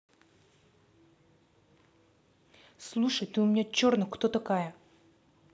слушай ты у меня черно кто такая